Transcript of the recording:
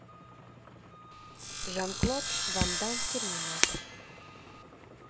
жан клод ван дамм терминатор